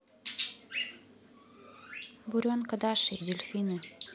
буренка даша и дельфины